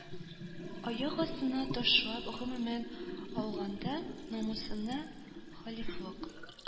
Аяк астына ташлап, гомумән алганда, намусына хилафлык